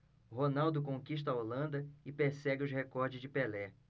ronaldo conquista a holanda e persegue os recordes de pelé